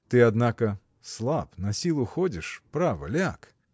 — Ты, однако, слаб, насилу ходишь, — право, ляг.